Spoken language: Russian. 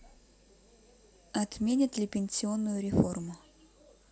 отменят ли пенсионную реформу